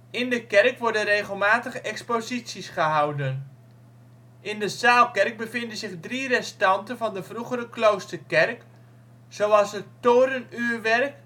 In de kerk worden regelmatig exposities gehouden. In de zaalkerk bevinden zich drie restanten van de vroegere Kloosterkerk, zoals het torenuurwerk